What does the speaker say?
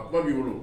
A ko' b'i wolo